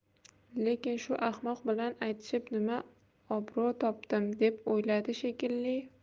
lekin shu ahmoq bilan aytishib nima obro' topdim deb o'yladi shekilli